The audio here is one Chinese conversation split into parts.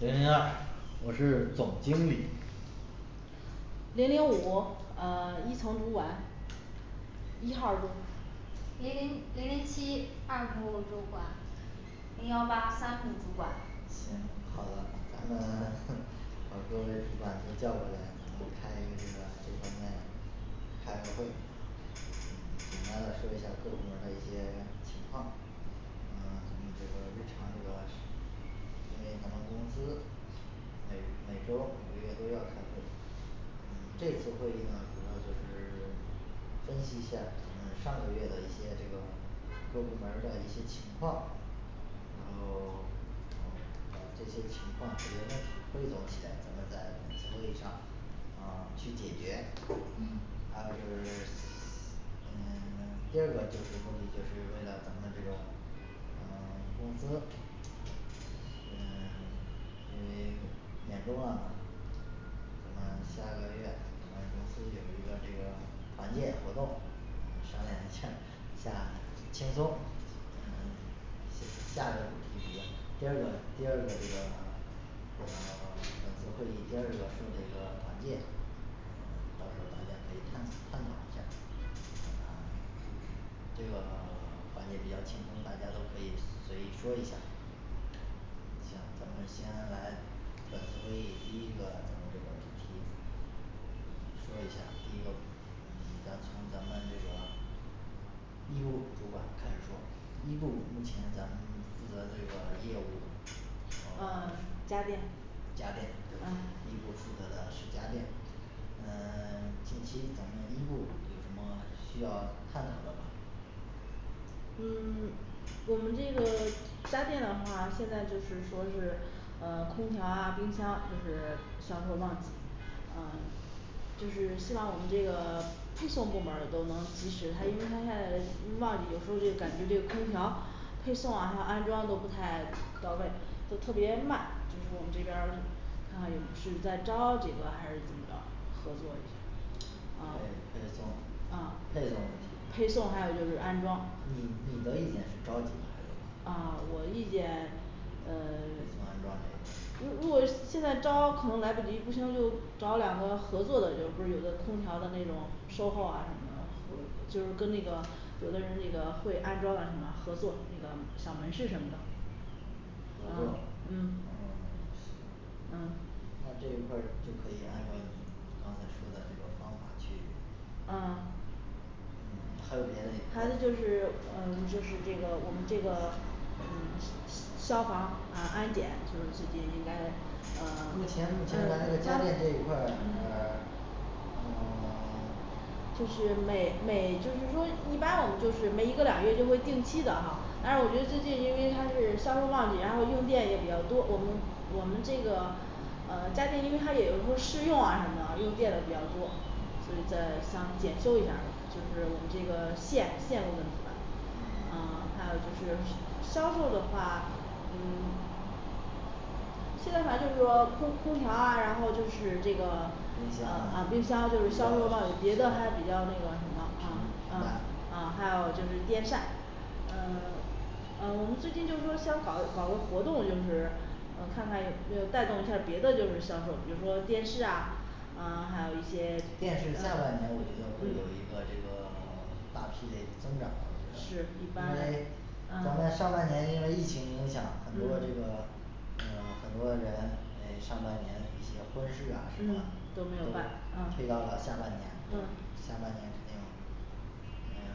零零二我是总经理零零五呃一层主管一号儿主零零零零七二部主管零幺八三部主管行好的咱们 把各部主管都叫过来咱们开一个这个这方面开个会嗯简单的说一下各部门儿的一些 情况嗯 这个日常这个因为咱们公司每每周每个月都要开会，嗯，这次会议呢主要就是分析一下儿咱们上个月的一些这个各部门儿的一些情况。然后 然后把这些情况这些问题汇总起来咱们在会议上啊去解决嗯还有就是嗯 第二个问题我们就是为了咱们这个呃工资，嗯因为年终啦咱们下个月咱们公司有一个这个团建活动，商量一下 下轻松。 嗯下一个问题第二个第二个这个 然后本次会议第二个说的一个团建到时候儿大家可以探探讨一下儿，嗯这个 环节比较轻松，大家都可以随意说一下儿。行，咱们先来本次会议第一个咱们这个主题说一下第一个你的从咱们这个一部主管开始说，一部目前咱们负责这个业务嗯呃家电、家电对嗯？一部负责的是家电。嗯 近期咱们一部有什么需要探讨的吗？嗯 我们这个家电的话，现在就是说是呃空调啊冰箱就是销售旺季，嗯就是希望我们这个配送部门儿都能及时，它因为它现在旺季有时候这感觉这空调，配送啊还有安装都不太到位，就特别慢，就是我们这边儿看看也不是在招几个还是怎么着合作一下儿对啊配送啊配送问题，配送还有就是安装你你的意见是招几个，啊我的意见呃 就安装这如如果现在招可能来不及不行，就找两个合作的，就是不是有的空调的那种售后啊什么的就是跟那个有的人这个会安装了什么合作这样小门市什么的。合啊作嗯嗯行，啊那这一块儿就可以按照你你刚才说的这个方法去嗯嗯还有别的那还有就是嗯就是这个我们这个嗯嗯消防啊安检就是这些以外目啊前目前咱这个家电这家一块儿嗯，呃 嗯还有就是销售的话，嗯现在反正就是说空空调啊，然后就是这个啊冰冰箱啊箱就是销售旺季别的还比较那个什么啊，啊啊还有就是电扇。嗯嗯我们最近就是说想搞搞个活动就是，嗯看看有没有带动一下儿别的就是销售，比如说电视啊，嗯还有一电些，呃视下半年嗯我觉得会有一个这个 大批嘞增长吧我觉是得。一般因为咱们啊上半年因为疫情影响很多这嗯个嗯很多人诶上半年一些婚事啊什嗯么都都没有办啊推到了下半年，嗯下半年肯定嗯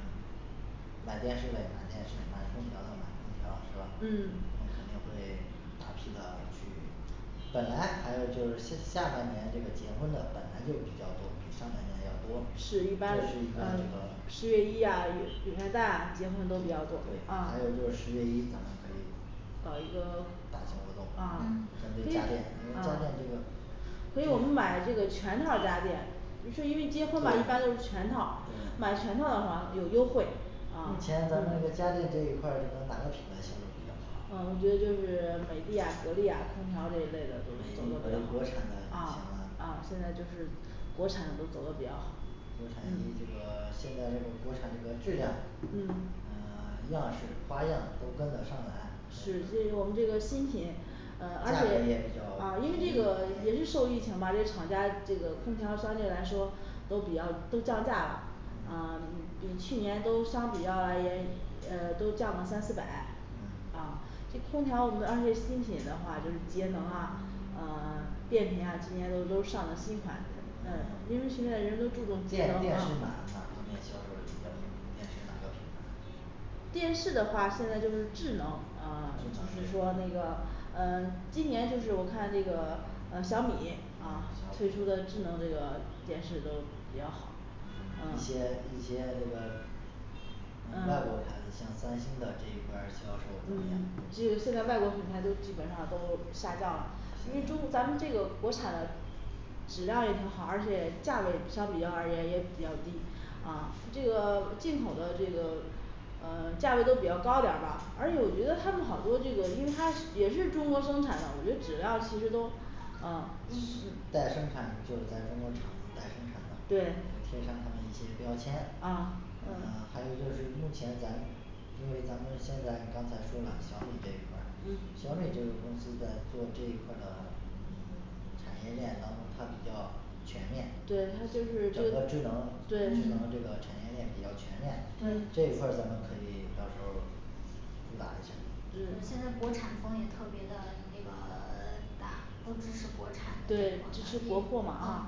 买电视的买电视买空调的买空调，是吧？我们嗯肯定会大批的去 本来还是就是下下半年这个结婚的本来就比较多，比上半年要多是这是一一个这般啊个十月一呀元旦啊结婚都比对较多，啊还有就十月一咱们还有搞一个，大型活动啊还嗯有这一直啊家电因为家电这个，所以我们这买这个全套家电为什么，对，对，是因为结婚吧一般都是全套，买全套的话有优惠，啊目前咱们这家电这一块儿咱哪个品牌销售比较啊好我觉得就是 美的呀格力呀空调这一类美的的，格东西走的比力，国较好产的啊行啦啊现在就是国产的都走得比较好。国产机这个 现在这个国产这个质量嗯嗯 样式花样都跟得上来是所以我们这个新品，嗯而价格也且啊因为这比较个便宜也是受疫情吧这个厂家这个空调相对来说都比较都降价了，啊比去年都相比较来言嗯都降了三四百嗯啊，空调我们要是新品的话，就是节能啊嗯 变频啊今年都都上了新款，嗯因为现在人都注重节能电电视哪啊哪方面销售比较好电视哪个品牌电视的话现在就是智能嗯智说那能这个嗯今年就是我看这个嗯小米啊推出小米的智能这个电视都比较好，嗯嗯一些一些。这个外国的嗯牌子像三星的这一块儿销售怎么样嗯这个现在外国品牌都基本上都下降了，因为中咱们这个国产的质量也挺好，而且价格也相比较而言也比较低，啊这个进口的这个，呃价位都比较高点儿吧而且我觉得他们好多这个，因为它也是中国生产的，我觉得质量其实都啊一代生产，就是咱中国厂子代生产的，对贴上他们一些标签，啊嗯还有就是目前咱因为咱们现在刚才说了小米这一块儿，嗯小米这个公司在做这一块儿的产业链当中它比较全面，整对他就是这个智能，智对能这嗯个产业链比较全面对，这一块儿咱们可以到时候儿主打这就项目是嗯现在国产风也特别的那个 大，都支持国产这一对支持国货的嘛啊嗯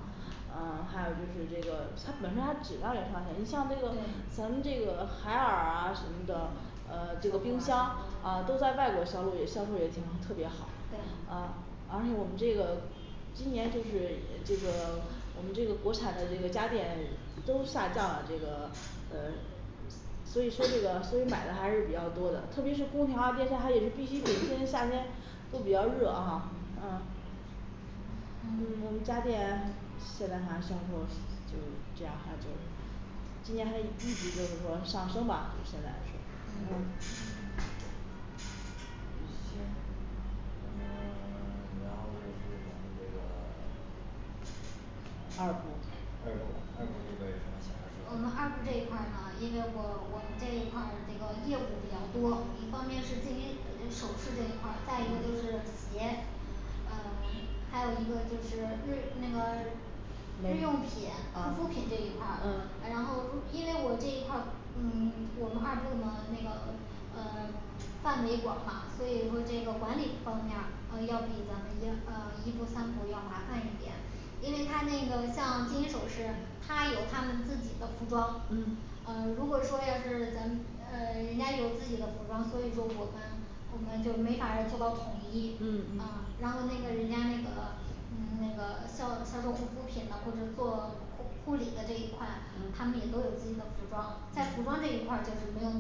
对对所以说这个所以买的还是比较多的，特别是空调啊电扇，他也是必须得吹夏天都比较热啊嗯我嗯们家电现在反正销售就这样的话就嗯嗯行。嗯 然后就是咱们这个 二对二部部二部这边儿有什么想我要们说的二部这一片儿，因为我我们这一块儿这个业务比较多，一方面是金银首饰这一块儿，再一个就是鞋，呃还有一个就是日那个日用对品护肤品啊这一块儿，啊然嗯后因为我这一块儿嗯我们二部呢那个，呃范围广嘛，所以说这个管理方面儿啊要比咱们一呃一部三部要麻烦一点因为他那个像金银首饰，他有他们自己的服装嗯，呃如果说要是咱们呃人家有自己的服装，所以说我们，我们就没法儿做到统一嗯，啊嗯然后那个人家那个嗯那个销销售护肤品的或者做护护理的这一块，他们也都有自己的服装，在服嗯装这一块儿就是没有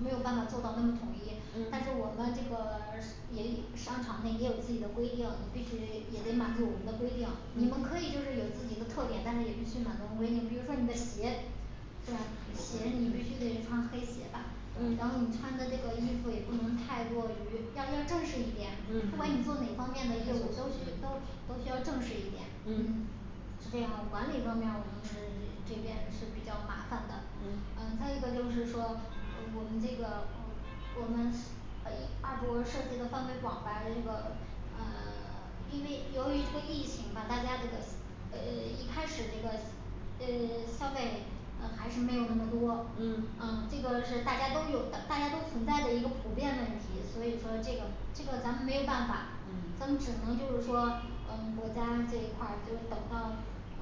没有办法做到那么统一，但是嗯我们这个 也商场内也有自己的规定，必须也得满足我们的规定，你们可嗯以就是有自己的特点，但是也必须满足规定，比如说你的鞋，是吧鞋你必须得穿黑鞋吧，嗯然后你穿的这个衣服也不能太过于要要正式一点嗯，不管你做哪嗯方面的业务都需都都需要正式一点。嗯是这样，管理方面儿我们是这边是比较麻烦的。 嗯嗯再一个就是说我们这个我们呃二部涉及的范围广泛吧的这个嗯 因为由于这个疫情嘛大家这个呃一开始这个呃消费嗯还是没有那么多，嗯嗯这个是大家都有大大家都存在的一个普遍问题，所以说这个这个咱们没有办法，嗯咱们只能就是说嗯国家这一块儿就等到，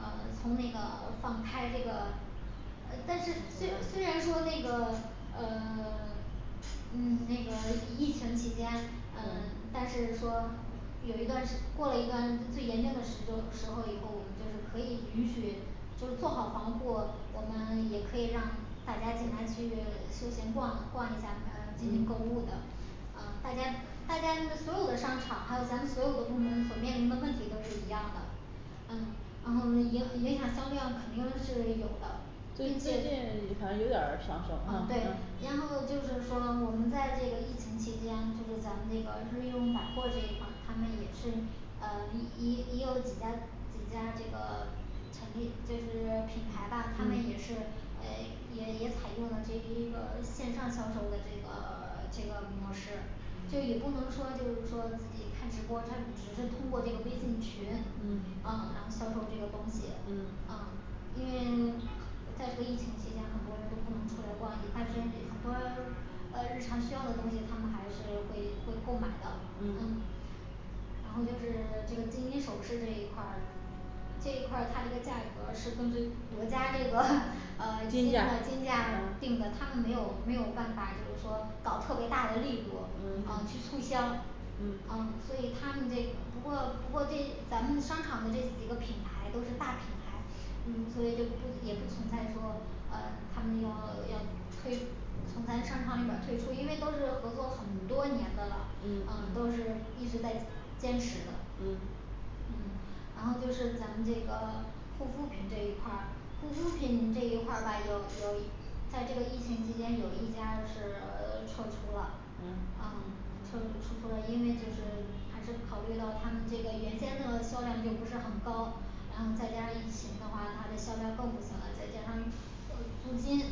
呃从那个放开这个，呃但是虽虽然说那个嗯 嗯那个疫情期间，呃啊但是说有一段时过了一段最严重的时就时候儿以后我们就是可以允许，就做好防护，我们也可以让大家进来去休闲逛逛一下来进行购物的。呃大家大家所有的商场，还有咱们所有的部门所面临的问题都是一样的，嗯然后呢也也想销量肯定是有的，最并最且近反而有点儿上升啊嗯啊，对，然后就是说我们在这个疫情期间，就是咱们这个日用百货这一块儿，他们也是呃一 也也有几家几家这个成立就是品牌吧，他们也是嗯嗯也也采用了这一个线上销售的这个 这个模式，这也嗯不能说就是说自己看直播，他只是通过这个微信群嗯嗯销售这个东西，啊嗯因为在这疫情期间很多人都不能出来逛街，但是很多呃日常需要的东西他们还是会购购买的嗯嗯然后就是 这个金银首饰这一块儿，这一块儿它这个价格是根据国家这个 嗯金金价价啊定的，他们没有没有办法就是说搞特别大的力度，嗯嗯去嗯促销，嗯嗯所以他们这不过不过这咱们商场的这几个品牌都是大品牌，嗯所以就不也不存在说，呃他们要要退从咱商场里边儿退出，因为都是合作很多年的了，嗯嗯都是嗯一直在坚持的。嗯嗯然后就是咱们这个护肤品这一块儿，护肤品这一块儿吧有有在这个疫情期间有一家就是 撤出了啊嗯撤撤出了因为就是还是考虑到他们这个原先那个销量就不是很高，然后再加上疫情的话，它的销量更不行了，再加上呃租金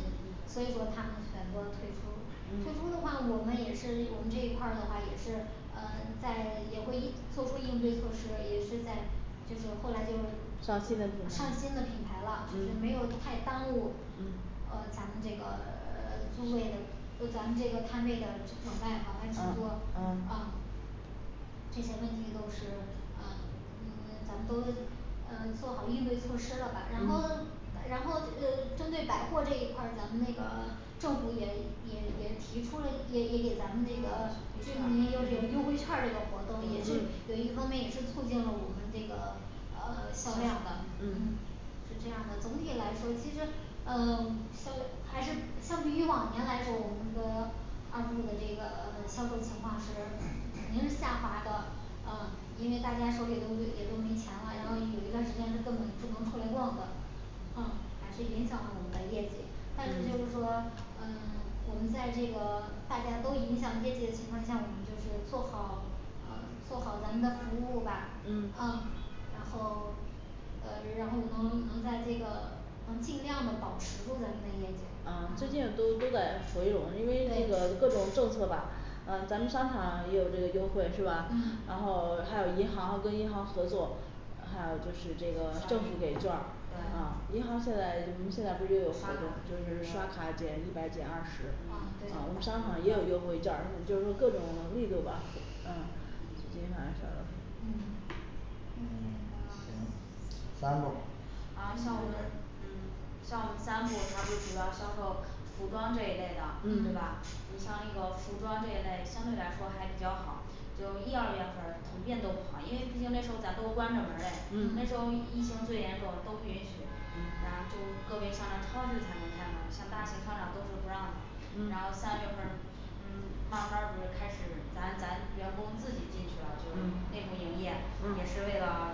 所以说他们选择退出退嗯出的话，我们也是我们这一块儿的话也是嗯在也会做出应对措施，也是在就是后来就上新的品上新的牌品牌了，就是没有太耽误，呃嗯咱们这个呃租位的就咱们这个摊位的往外啊往外出租。啊啊嗯券儿嗯销量嗯嗯还是影响了我们的业绩，但是就是嗯说嗯 我们在这个大家都影响业绩的情况下，我们就是做好嗯做好咱们的服务吧嗯嗯然后呃然后能能在这个能尽量的保持住咱们的业绩啊最近嗯都都在回笼，因为那对个各种政策吧嗯咱们商场也有这个优惠是吧？嗯然后还有银行跟银行合作，还有就是这个政府给劵儿对啊银行现在，你们现在不是也有活动，就是刷卡减一百减二十，嗯我们嗯对商场也有优惠劵儿，就是说各种力度吧。嗯就这反正成嗯嗯行嗯三部儿然后像我们嗯像我们三部，他就主要销售服装这一类的，对嗯嗯吧？你像这个服装这一类相对来说还比较好，就一二月份儿普遍都不好，因为毕竟那时候儿咱都关着门儿嘞，那时候儿嗯嗯疫疫情最严重都不允许，嗯然后个别像那超市才能开门儿像大型商场都是不让的，然后嗯三月份儿嗯慢儿慢儿不是开始咱咱员工自己进去了，就是内嗯部营业也是啊为了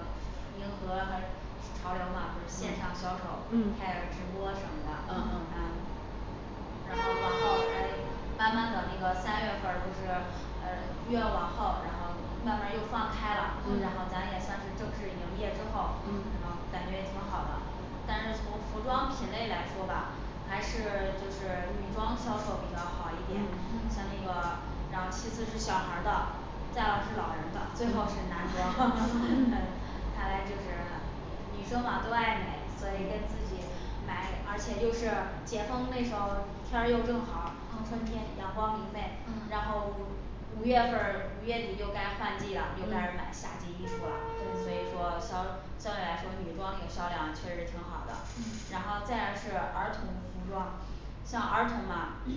迎合 潮流嘛，不是线嗯上销售开嗯开直播什么的啊啊嗯嗯然后往后再慢慢的那个三月份儿就是呃越往后，然后慢儿慢儿又放开了，然后嗯咱也算是正式营业之后，嗯然后感觉挺好的。但是从服装品类来说吧，还是就是女装销售比较好一点嗯，像那嗯个然后其次是小孩儿的，在有是老人的最后是男装，看来就是女生嘛都爱美，所以跟自己买，而且又是结婚那时候儿天儿又正好儿春嗯天阳光明媚，然嗯后五月份儿五月底又该换季了，又开始买嗯夏季衣服了，所以对说相对来说女装这个销量确实挺好的。然嗯后再一个是儿童服装像儿童嘛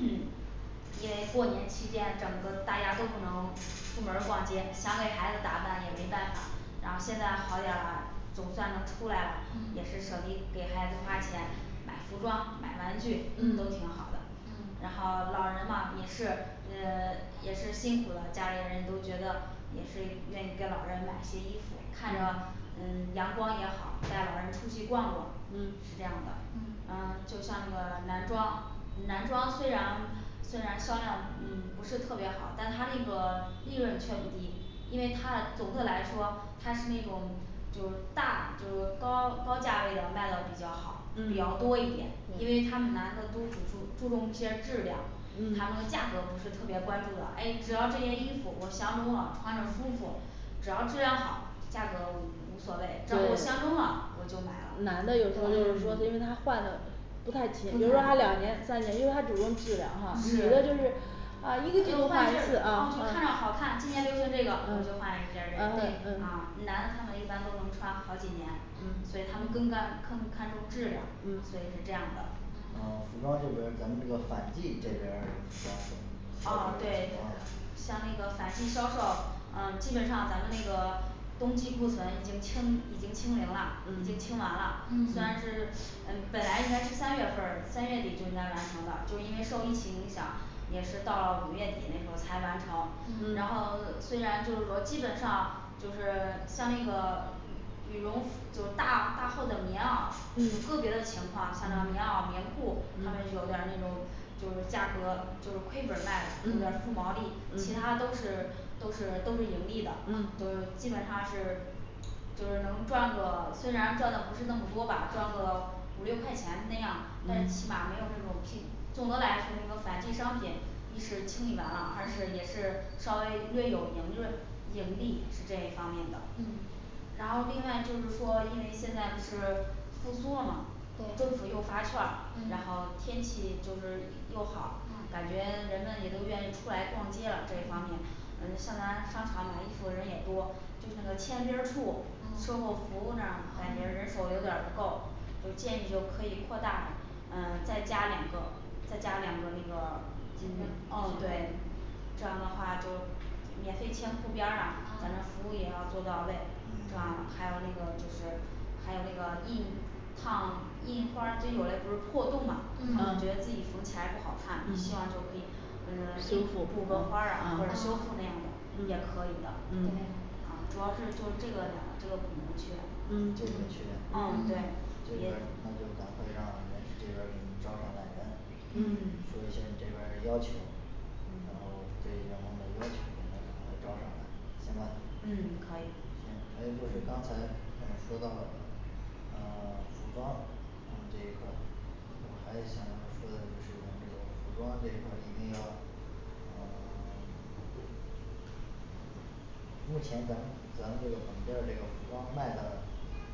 因为过年期间整个大家都不能出门儿逛街，想给孩子打扮也没办法，然后现在好点儿了，总算能出来了，也是嗯舍得给孩子花钱买服装买玩具都挺好嗯的，嗯然后老人嘛也是呃也是辛苦了，家里人都觉得也是愿意给老人买些衣服，看着嗯阳光也好，带老人出去逛逛嗯是这样的。嗯呃就像这个男装男装虽然虽然销量嗯不是特别好，但它那个利润却不低，因为它总的来说它是那种就是大就是高高价位的卖的比较好，比较嗯多一点儿，因为他们男的都注重注重一些质量他们的嗯价格不是特别关注的，哎只要这件衣服我相中了穿着舒服，只要质量好，价格无所谓，只要我相对中了我就买了男的有时候就是对说因为他换的不太勤，比如说他不太两年三年，因为他注重质量哈女的就对是是诶换季儿然后就啊一个季度换一次啊啊，嗯嗯嗯嗯嗯看着嗯好看，今年流行这个我就嗯换一件儿啊啊嗯这对个嗯啊男的，他们一般都能穿好几年，所以嗯他们更干更看重质量，所以嗯是这样的嗯服装这边儿咱们这个反季这边儿这个服装哦对嗯嗯嗯嗯嗯羽绒就大大厚的棉袄，你个嗯别的情况，像这棉嗯袄棉裤，他们嗯有点儿那种就是价格就是亏本儿卖了有点儿负嗯毛利，其他嗯都是都是都是盈利的。嗯就基本上是就是能赚个虽然赚的不是那么多吧，赚个五六块钱那样，但起嗯码没有那种平，总的来说那个反季商品一是清理完了，二是也是稍微略有盈润，盈利是这一方面的嗯然后另外就是说因为现在不是复苏了嘛，政对府又发券儿，然嗯后天气就是又好，嗯感觉人们也都愿意出来逛街了这一方面。嗯像咱商场买衣服的人也多，就是那个迁边儿处售嗯后服务那儿感觉人啊手有点儿不够，就建议就可以扩大，嗯再加两个。再加两个那个，嗯对。这样的话就免费迁裤边儿啊，咱那啊服务也要做到位，这样嗯还有那个就是还有那个印烫印花就有了不是破洞嘛，他们觉得自嗯嗯己缝起来不好看，希望就嗯可以嗯印补个花儿啊或者修复那啊样的也嗯可以的对嗯，啊主要是就是这个俩这个部门缺啊对也这嗯个缺嗯对嗯这边别儿那就咱会让人事这边儿给你招上来人嗯嗯说一下儿你这边儿要求。然嗯后对员工的要求咱们招上来行吧，嗯行可以还有就是刚嗯才说到嗯服装这个还有想要说的就是咱们这个服装这一块儿一定要嗯 目前咱们咱们网店儿这个服装卖的。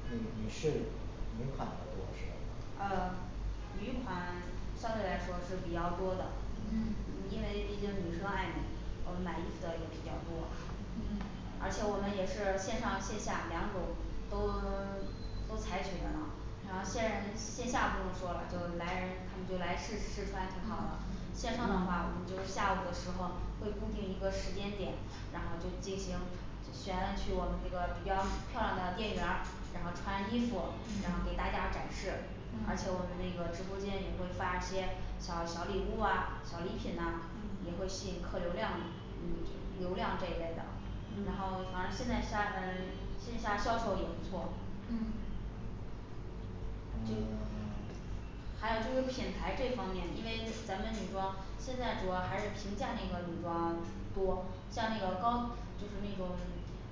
女式女款的多是吗呃女款相对来说是比较多的，嗯因为毕竟女生爱美嘛，呃买衣服的也比较多嗯，而且我们也是线上线下两种都 都采取着呢，然后线线下不用说了，就来人，他们就来试试穿挺好的嗯。线上的话我们就下午的时候会固定一个时间点，然后就进行选取我们这个比较漂亮的店员儿，然后穿衣服，然后嗯给大家展示，而且嗯我们那个直播间也会发一些小小礼物啊，小礼品呐也会吸引客流量嗯嗯这流量这一类的然嗯后反正现在下呃线下销售也不错嗯那 就还有就是品牌这方面，因为咱们女装现在主要还是平价那个女装 多像那个高就是那种